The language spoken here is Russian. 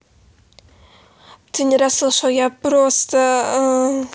ты не расслышал я просто